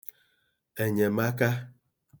ènyèmaka